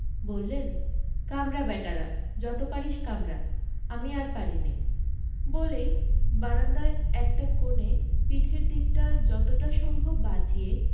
বললেন কামড়া ব্যাটারা যত পারিস কামড়া আমি আর পারিনে বলেই বারান্দায় একটা কোণে পিঠের দিকটা যতটা সম্ভব বাঁচিয়ে